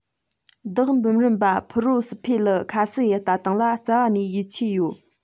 བདག འབུམ རམས པ ཕུ རོ སི ཕེ ལུ ཁ སི ཡི ལྟ སྟངས ལ རྩ བ ནས ཡིད ཆེས ཡོད